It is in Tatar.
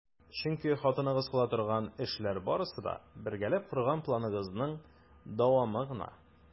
Чөнки хатыныгыз кыла торган эшләр барысы да - бергәләп корган планыгызның дәвамы гына!